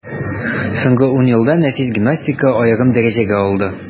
Соңгы ун елда нәфис гимнастика аерым дәрәҗәгә алды.